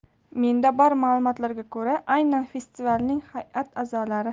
menda bor ma'lumotlarga ko'ra aynan festivalning hay'at a'zolari